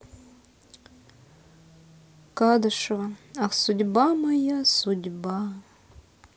кадышева ах судьба моя судьба